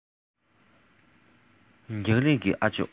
རྒྱང རིང གི ཨ ཇོ